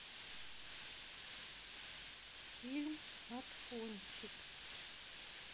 фильм отхончик